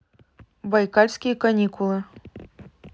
байкальские каникулы